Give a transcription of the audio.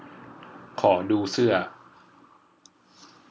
ขอดูเสื้อ